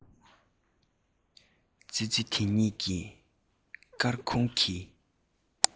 འགྲམ ནས ཁ རྩོད བྱེད ཀྱིན འདུག